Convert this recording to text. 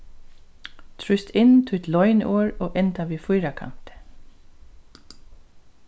trýst inn títt loyniorð og enda við fýrakanti